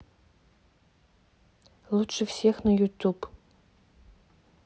лучше всех на ютуб